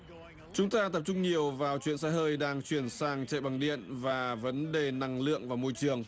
chúng ta tập trung nhiều vào chuyện xe hơi đang chuyển sang chạy bằng điện và vấn đề năng lượng và môi trường